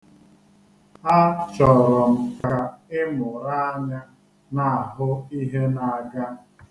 Achọrọ m ka ị mụrụ anya na-ahụ ihe na-aga.